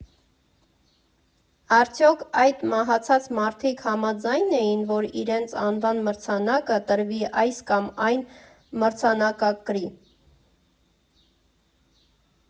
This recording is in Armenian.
Արդյոք այդ մահացած մարդիկ համաձայն էին, որ իրենց անվան մրցանակը տրվի այս կամ այն մրցանակակրի։